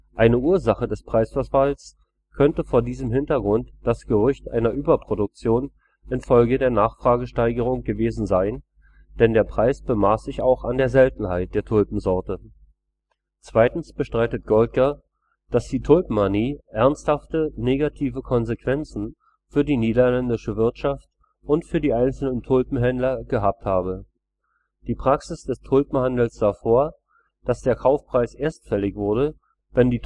Eine Ursache des Preisverfalls könnte vor diesem Hintergrund das Gerücht einer Überproduktion infolge der Nachfragesteigerung gewesen sein, denn der Preis bemaß sich auch an der Seltenheit der Tulpensorte. Zweitens bestreitet Goldgar, dass die Tulpenmanie ernsthafte negative Konsequenzen für die niederländische Wirtschaft und für die einzelnen Tulpenhändler gehabt habe. Die Praxis des Tulpenhandels sah vor, dass der Kaufpreis erst fällig wurde, wenn die